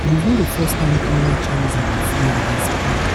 It is not the first time criminal charges have been filed against Palin.